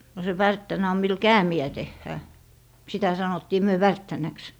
no se värttänä on millä käämiä tehdään sitä sanottiin me värttänäksi